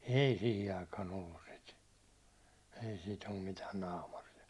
ei siihen aikaan ollut sitä ei sitä ole mitään naamaria